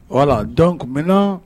Voila donc maintenant